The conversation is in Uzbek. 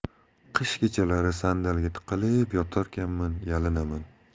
qish kechalari sandalga tiqilib yotarkanman yalinaman